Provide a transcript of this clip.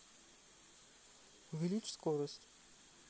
увеличь скорость